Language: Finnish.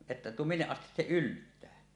että minne asti se yltää